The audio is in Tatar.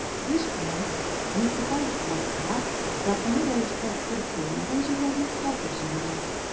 Еш кына муниципаль властьлар законлы рәвештә теркәлмәгән җирләрне сатып җибәрә.